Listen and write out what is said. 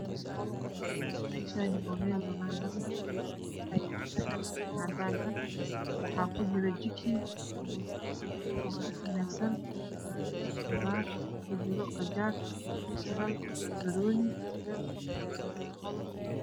Halkan waa yalo saxan ocada ah wax kujiro cunto kalar kedo waa jale iyo cagaran iyo dahabi iyo gadud oraji